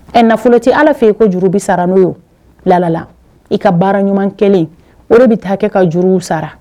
Ɛ nafolo te Ala fɛ yen ko juru bi sara n'o ye o la la la i ka baara ɲuman kɛlen o de be taa kɛ ka juruw sara